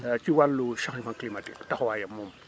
ci wàllu changement climatique taxawaayam moom